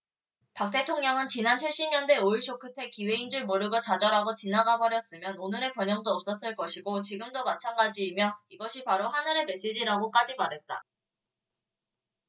박 대통령은 지난 칠십 년대 오일쇼크 때 기회인 줄 모르고 좌절하고 지나가버렸으면 오늘의 번영도 없었을 것이고 지금도 마찬가지이며 이것이 바로 하늘의 메시지라고까지 말했다